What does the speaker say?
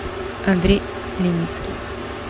андрей леницкий